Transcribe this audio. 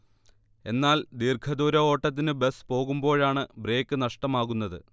എന്നാൽ ദീർഘദൂര ഓട്ടത്തിന് ബസ് പോകുമ്പോഴാണ് ബ്രേക്ക് നഷ്ടമാകുന്നത്